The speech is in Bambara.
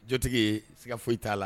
Jotigi siga foyi t'a la